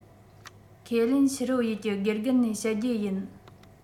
ཁས ལེན ཕྱི རོལ ཡུལ གྱི དགེ རྒན ནས བཤད རྒྱུ ཡིན